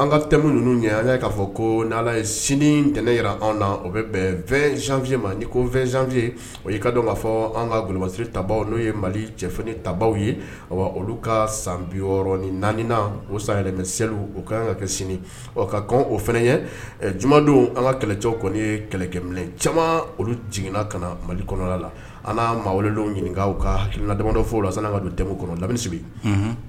an ka tɛmɛ ninnu ɲɛ an fɔ ko n' ye sini ntɛnɛn jira anw na o bɛ bɛnfiye ma ni kozfi o y ka k'a fɔ an kaolomasiri ta n'o ye mali cɛf ta ye olu ka san biɔrɔn ni naani o san yɛrɛmɛ seli o ka kan ka kɛ sini ka o fana ye jumadenw an ka kɛlɛcɛ kɔni ye kɛlɛkɛminɛ caman olu jiginna ka na mali kɔnɔ la an maa don ɲininkakaw ka hakiliinadamadɔ fo la sani ka don tɛmɛ kɔnɔ lamini